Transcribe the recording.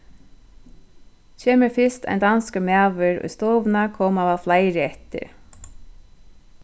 kemur fyrst ein danskur maður í stovuna koma væl fleiri eftir